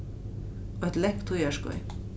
eitt langt tíðarskeið